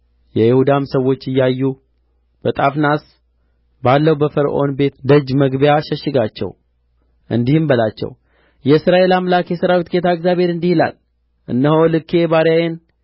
የይሁዳም ሰዎች እያዩ በጣፍናስ ባለው በፈርዖን ቤት ደጅ መግቢያ ሸሽጋቸው እንዲህም በላቸው የእስራኤል አምላክ የሠራዊት ጌታ እግዚአብሔር እንዲህ ይላል እነሆ ልኬ ባሪያዬን